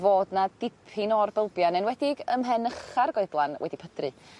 fod 'na dipyn o'r bylbia yn enwedig ym mhen ucha'r goedlan wedi pydru.